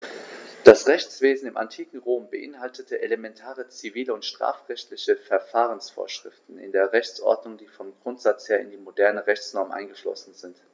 Das Rechtswesen im antiken Rom beinhaltete elementare zivil- und strafrechtliche Verfahrensvorschriften in der Rechtsordnung, die vom Grundsatz her in die modernen Rechtsnormen eingeflossen sind.